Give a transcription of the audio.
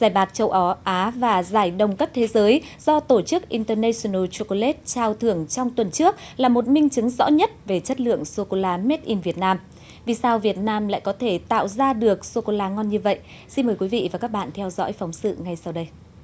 giải bạc châu ó á và giải đồng cấp thế giới do tổ chức in tơ ne sừn nồ chô cô lết trao thưởng trong tuần trước là một minh chứng rõ nhất về chất lượng sô cô la mết in việt nam vì sao việt nam lại có thể tạo ra được sô cô la ngon như vậy xin mời quý vị và các bạn theo dõi phóng sự ngay sau đây